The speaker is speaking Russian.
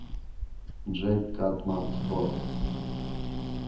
джек катмор скотт